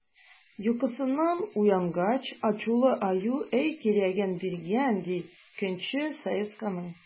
Йокысыннан уянгач, ачулы Аю әй кирәген биргән, ди, көнче Саесканның!